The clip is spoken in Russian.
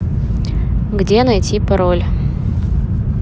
где найти пароль